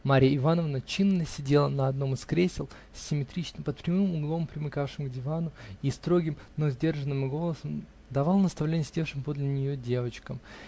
Марья Ивановна чинно сидела на одном из кресел, симметрично, под прямым углом, примыкавшем к дивану, и строгим, но сдержанным голосом давала наставления сидевшим подле нее девочкам.